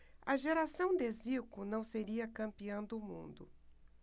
a geração de zico não seria campeã do mundo